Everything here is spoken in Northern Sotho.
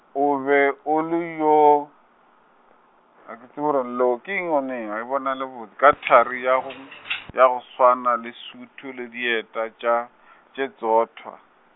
o be o le yo, a ke tsebe gore lo keng yona ye a e bonale botse ka thari ya go, ya go swana le sutu le dieta tša, tše tsothwa.